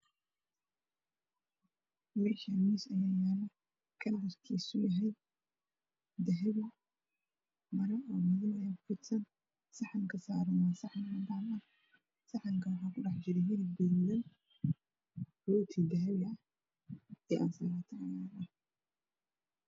Meshaan miis ayaa yalo kalrkiisu yahay dahpi mara oo madow ah ayaana ku fidasan saxnka saaran waa saxan cadaana ah saxan ka waxaa ku dhax jiro hilip gduudan rooti dahapi ah iyo ansalto